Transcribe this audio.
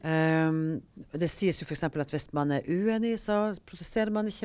det sies jo f.eks. at hvis man er uenig så protesterer man ikke.